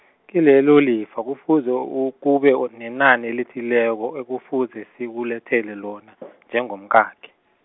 kilelo lifa, kufuze kube nenani elithileko, ekufuze sikulethele lona , njengomkakhe.